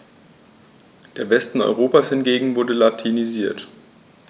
Der Westen Europas hingegen wurde latinisiert.